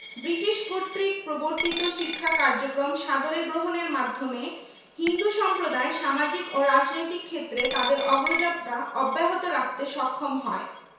British viceroy Lord Hardinge Bangla বিভক্তি বাতিলের সিদ্ধান্তে মুসলিম সম্প্রদায়ের অসন্তোষের বিষয় উপলব্ধি করে তাদের সান্ত্বনা দেওয়ার উদ্দেশ্যে ঢাকা ভ্রমণের সিদ্ধান্ত নেন